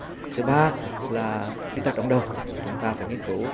thứ ba là đi tắt đón đầu chúng ta phải nghiên cứu